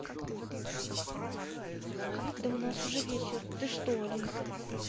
да у нас уже вечер ты что алиса